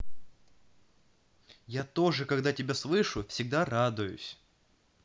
я тоже когда тебя слышу всегда радуюсь